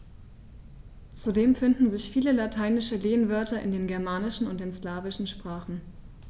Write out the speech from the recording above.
Zudem finden sich viele lateinische Lehnwörter in den germanischen und den slawischen Sprachen.